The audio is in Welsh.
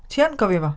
Ti yn gofio fo?